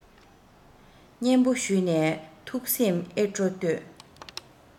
སྙན པོ ཞུས ནས ཐུགས སེམས ཨེ སྤྲོ ལྟོས